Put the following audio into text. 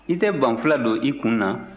i tɛ banfula don i kun na